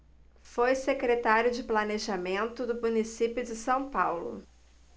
foi secretário de planejamento do município de são paulo